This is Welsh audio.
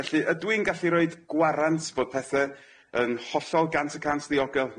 Felly ydw i'n gallu roid gwarant bod pethe yn hollol gant y cant ddiogel?